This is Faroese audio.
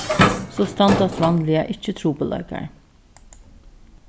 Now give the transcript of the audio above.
so standast vanliga ikki trupulleikar